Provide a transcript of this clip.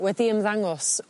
wedi ymddangos